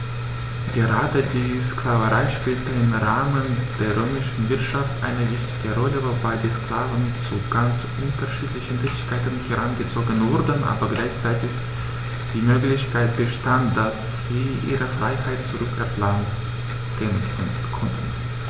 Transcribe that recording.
Gerade die Sklaverei spielte im Rahmen der römischen Wirtschaft eine wichtige Rolle, wobei die Sklaven zu ganz unterschiedlichen Tätigkeiten herangezogen wurden, aber gleichzeitig die Möglichkeit bestand, dass sie ihre Freiheit zurück erlangen konnten.